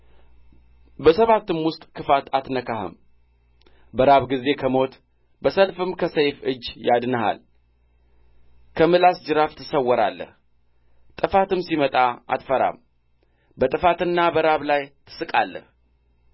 በሰባትም ውስጥ ክፋት አትነካህም በራብ ጊዜ ከሞት በሰልፍም ከሰይፍ እጅ ያድንሃል ከምላስ ጅራፍ ትሰወራለህ ጥፋትም ሲመጣ አትፈራም በጥፋትና በራብ ላይ ትስቃለህ